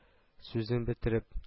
Сүзен бетереп: